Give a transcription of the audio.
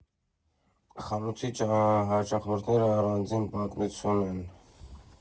Խանութի հաճախորդներն առանձին պատմություն են։